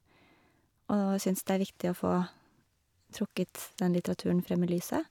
Og da hva jeg syns det er viktig å få trukket den litteraturen frem i lyset.